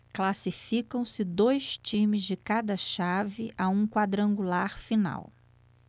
classificam-se dois times de cada chave a um quadrangular final